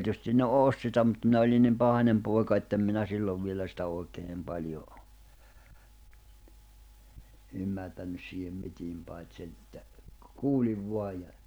ole tietysti ne osti sitä mutta minä olin niin pahainen poika että en minä silloin vielä sitä oikein niin paljon ymmärtänyt siihen mitään paitsi sen että kuulin vain ja